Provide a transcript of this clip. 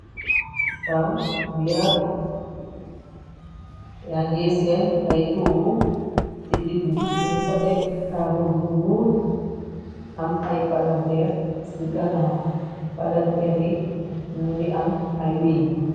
Saal bu yaatu, yagee seen ay tuogu ci digg bi ñu fa tek taabul bu ñuul am ay palanteer. Ci ganaaw palanteer yi ñu ngi am ay weeñ.